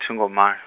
thi ngo mal-.